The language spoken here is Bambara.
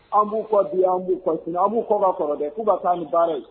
An b'u ka bi an b'u an b'u kɔ ka kɔrɔ dɛ k'u ka taa ni baara ye